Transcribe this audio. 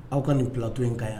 Aw ka nin p bilatɔ in ka yan